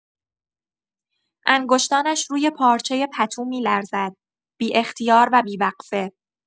انگشتانش روی پارچۀ پتو می‌لرزد، بی‌اختیار و بی‌وقفه.